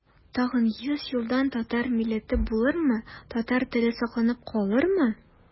Тагын йөз елдан татар милләте булырмы, татар теле сакланып калырмы?